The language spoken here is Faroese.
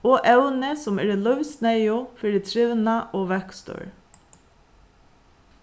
og evni sum eru lívsneyðug fyri trivnað og vøkstur